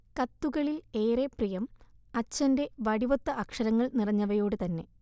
കത്തുകളിൽ ഏറെ പ്രിയം അച്ഛന്റെ വടിവൊത്ത അക്ഷരങ്ങൾ നിറഞ്ഞവയോട് തന്നെ